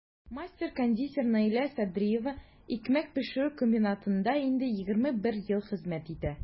Мастер-кондитер Наилә Садриева икмәк пешерү комбинатында инде 21 ел хезмәт итә.